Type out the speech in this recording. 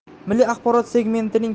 milliy axborot segmentining